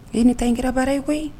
E ne ta in kɛra baara ye koyi